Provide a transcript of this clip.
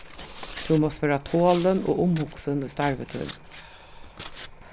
tú mást vera tolin og umhugsin í starvi tínum